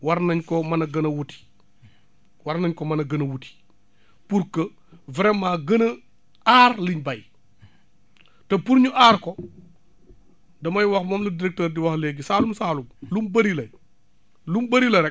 war nañ koo mën a gën a ut war nañ ko mën a gën a wut pour que vraiment gën a aar li ñu bay te pour ñu aar ko damay wax moom la directeur di wax léegi saalum saalum lu mu bërile lu mu bërile rek